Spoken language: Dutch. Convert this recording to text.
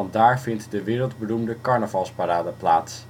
daar vindt de wereldberoemde carnavalsparade plaats